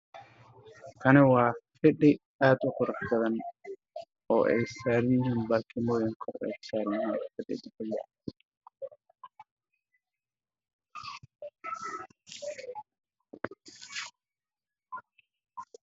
Waa qol waxaa ii muuqda fadhii midabkiis yah waana fadhi boqortooyo ah waana dahabi darbiga ka danbeeya waa cadaan